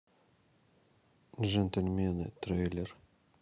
джентльмены трейлер